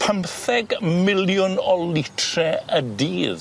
Pymtheg miliwn o litre y dydd.